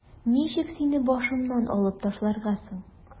Ничек сине башымнан алып ташларга соң?